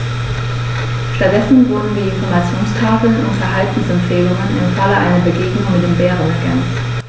Stattdessen wurden die Informationstafeln um Verhaltensempfehlungen im Falle einer Begegnung mit dem Bären ergänzt.